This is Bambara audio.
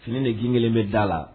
Fini de kun melegelen bɛ da la.